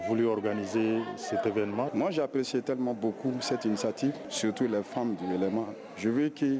Voulu organiser cet évènement moi j'ai apprécié tellement beaucoup cette initiative surtout les femmes du Yɛlɛma je veux que